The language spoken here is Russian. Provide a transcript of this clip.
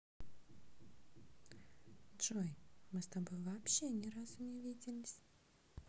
джой мы с тобой вообще ни разу не виделись